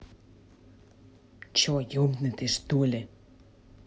че ебнутый что ли